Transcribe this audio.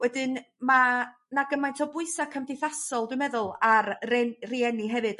Wedyn ma' 'na gymaint o bwysa' cymdeithasol dwi'n meddwl ar re- rieni hefyd